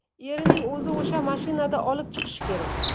erining o'zi o'sha mashinada olib chiqishi kerak